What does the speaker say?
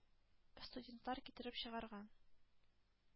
Студентлар китереп чыгарганын